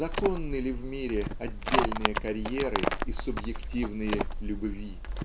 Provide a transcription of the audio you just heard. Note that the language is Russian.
Законны ли в мире отдельные карьеры и субъективные любви?